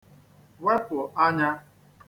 wepụ̀ anyā